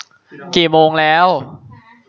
กี่โมงแล้ว